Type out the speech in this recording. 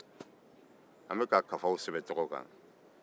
an bɛka kafaw sɛbɛn tɔgɔ kan